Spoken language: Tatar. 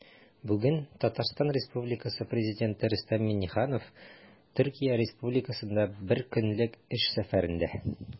Бүген Татарстан Республикасы Президенты Рөстәм Миңнеханов Төркия Республикасында бер көнлек эш сәфәрендә.